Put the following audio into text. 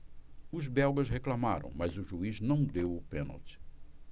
os belgas reclamaram mas o juiz não deu o pênalti